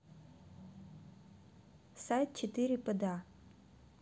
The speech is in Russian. сайт четыре пда